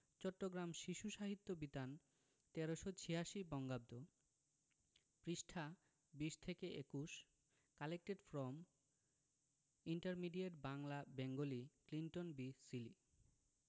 চট্টগ্রাম শিশু সাহিত্য বিতান ১৩৮৬ বঙ্গাব্দ পৃষ্ঠাঃ ২০ থেকে ২১ collected from intermediate Bangla Bengali Clinton B Seely